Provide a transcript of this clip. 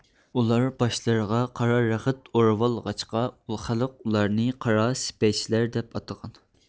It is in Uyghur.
ئۇلار باشلىرىغا قارا رەخت ئورۇۋالغاچقا خەلق ئۇلارنى قارا سىپەچلەر دەپ ئاتىغان